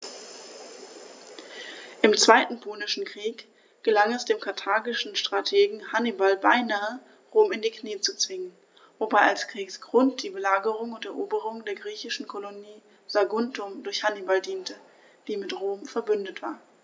Im Zweiten Punischen Krieg gelang es dem karthagischen Strategen Hannibal beinahe, Rom in die Knie zu zwingen, wobei als Kriegsgrund die Belagerung und Eroberung der griechischen Kolonie Saguntum durch Hannibal diente, die mit Rom „verbündet“ war.